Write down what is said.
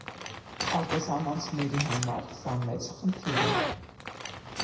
Արտասահմանցիների համար սա մեծ խնդիր է.